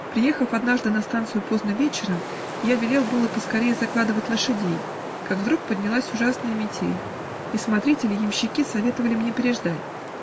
Приехав однажды на станцию поздно вечером, я велел было поскорее закладывать лошадей, как вдруг поднялась ужасная метель, и смотритель и ямщики советовали мне переждать.